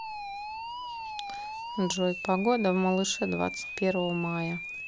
джой погода в малыше двадцать первое мая